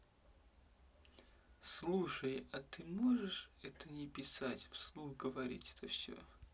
слушай а ты можешь это не писать вслух говорить это все